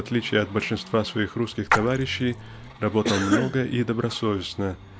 в отличие от большинства своих русских товарищей работал много и добросовестно